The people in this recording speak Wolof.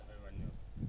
dafay wàññeeku